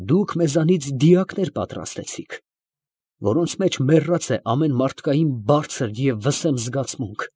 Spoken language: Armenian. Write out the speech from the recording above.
Դուք մեզանից դիակներ պատրաստեցիք, որոնց մեջ մեռած է ամեն մարդկային բարձր և վսեմ զգացմունք։